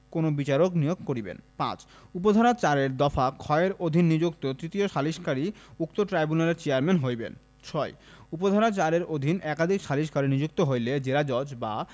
কোন বিচারক নিয়োগ করিবেন ৫ উপ ধারা ৪ এর দফা খ এর অধীন নিযুক্ত তৃতীয় সালিসকারী উক্ত ট্রাইব্যুনালের চেয়ারম্যান হইবেন ৬ উপ ধারা ৪ এর অধীন একাধিক সালিসকারী নিযুক্ত হইলে জেলাজজ বা